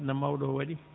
no mawɗo oo waɗi